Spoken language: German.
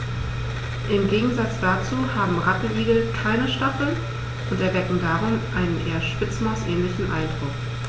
Im Gegensatz dazu haben Rattenigel keine Stacheln und erwecken darum einen eher Spitzmaus-ähnlichen Eindruck.